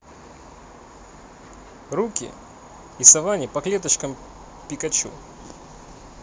руки и совани по клеточкам пикачу